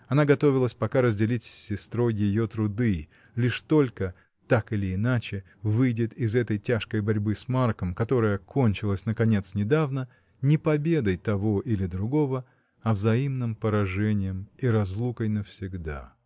Она готовилась пока разделить с сестрой ее труды — лишь только, так или иначе, выйдет из этой тяжкой борьбы с Марком, которая кончилась наконец недавно — не победой того или другого, а взаимным поражением и разлукой навсегда.